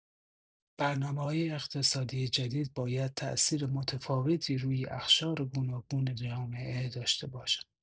برنامه‌‌های اقتصادی جدید باید تأثیر متفاوتی روی اقشار گوناگون جامعه داشته باشد.